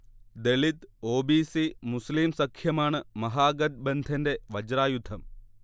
ദളിത്-ഒ. B. C- മുസ്ലീം സഖ്യമാണ് മഹാഗത്ബന്ധന്റെ വജ്രായുധം